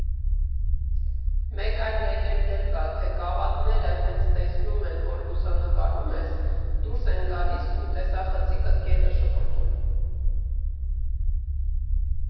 Մեկ այլ լեգենդ էլ կա, թե կավատները հենց տեսնում են, որ լուսանկարում ես, դուրս են գալիս ու տեսախցիկդ գետը շպրտում։